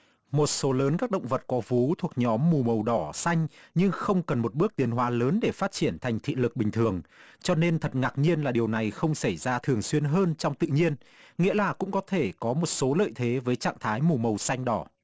một số lớn các động vật có vú thuộc nhóm mù màu đỏ xanh như không cần một bước tiến hóa lớn để phát triển thành thị lực bình thường cho nên thật ngạc nhiên là điều này không xảy ra thường xuyên hơn trong tự nhiên nghĩa là cũng có thể có một số lợi thế với trạng thái mù màu xanh đỏ